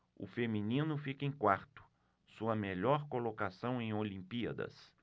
o feminino fica em quarto sua melhor colocação em olimpíadas